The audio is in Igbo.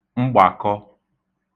mgbàkọ̄